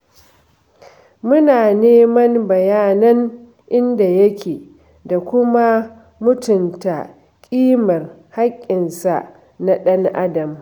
Muna neman bayanan inda yake da kuma mutumta ƙimar haƙƙinsa na ɗan'adam.